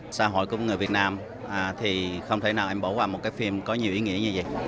xã hội công nghệ việt nam à thì không thể nào em bỏ qua một cái phim có nhiều ý nghĩa như vậy